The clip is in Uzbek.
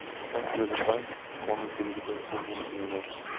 aslida bank qonunchiligida bu mumkin emas